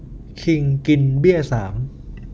คิงกินเบี้ยสาม